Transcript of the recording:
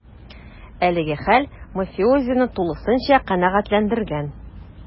Әлеге хәл мафиозины тулысынча канәгатьләндергән: